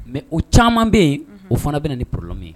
Mɛ o caman bɛ yen o fana bɛ na ni plenmi ye